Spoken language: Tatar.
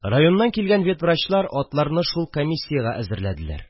Районнан килгән ветврачлар атларны шул комиссиягә әзерләделәр